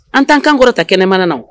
An' kan kɔrɔta kɛnɛmana na